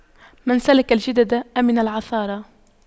من سلك الجدد أمن العثار